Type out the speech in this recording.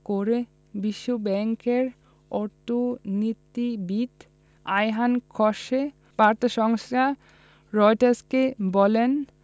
করে বিশ্বব্যাংকের অর্থনীতিবিদ আয়হান কোসে বার্তা সংস্থা রয়টার্সকে বলেন